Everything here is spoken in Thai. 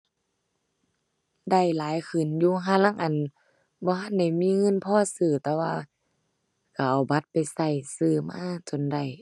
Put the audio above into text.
ได้หลายขึ้นอยู่ ห่าลางอันบ่ทันได้มีเงินพอซื้อ แต่ว่าก็เอาบัตรไปก็ซื้อมาจนได้